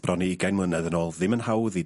...bron i ugain mlynedd yn ôl ddim yn hawdd i...